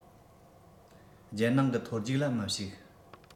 རྒྱལ ནང གི མཐོ རྒྱུགས ལ མི ཞུགས